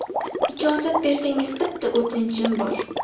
ijozat bersangiz bitta o'tinchim bor